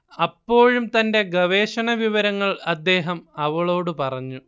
അപ്പോഴും തന്റെ ഗവേഷണവിവരങ്ങൾ അദ്ദേഹം അവളോട് പറഞ്ഞു